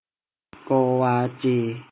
โกวาจี